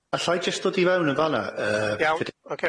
Alla i jyst dod i fewn yn fan'na yy... Iawn ocê.